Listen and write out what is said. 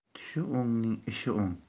tushi o'ngning ishi o'ng